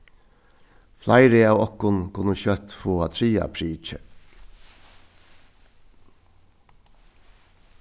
fleiri av okkum kunnu skjótt fáa triðja prikið